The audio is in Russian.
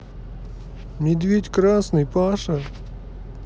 медведь красный паша